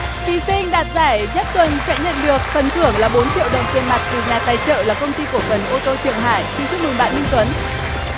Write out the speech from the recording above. thí sinh đạt giải nhất tuần sẽ nhận được phần thưởng là bốn triệu đồng tiền mặt từ nhà tài trợ là công ty cổ phần ô tô trường hải xin chúc mừng bạn minh tuấn